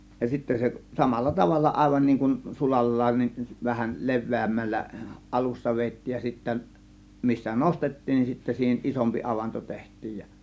ja sitten se samalla tavalla aivan niin kuin sulallaan niin vähän leveämmällä alussa vedettiin ja sitten missä nostettiin niin sitten siihen isompi avanto tehtiin ja